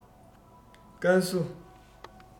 ཀན སུའུ